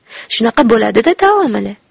shunaqa bo'ladi da taomili